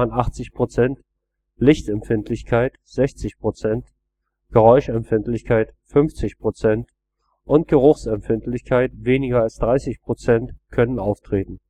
80 %), Lichtempfindlichkeit (60 %), Geräuschempfindlichkeit (50 %) und Geruchsempfindlichkeit (< 30 %) können auftreten